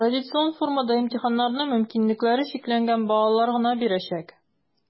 Традицион формада имтиханнарны мөмкинлекләре чикләнгән балалар гына бирәчәк.